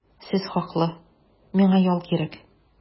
Сез хаклы, миңа ял кирәк.